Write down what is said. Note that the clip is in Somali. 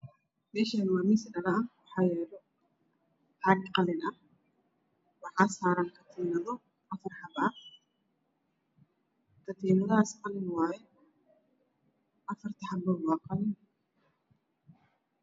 Meeshaan waa miis dhalla ah waxa yaallo caag qallin ah waxa saarran katiinaddo affar xabo ah katiinadahaas qallin waaye affarta xabbo waa qalin